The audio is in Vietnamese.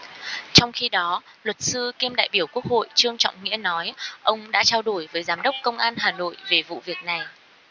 trong khi đó luật sư kiêm đại biểu quốc hội trương trọng nghĩa nói ông đã trao đổi với giám đốc công an hà nội việc vụ này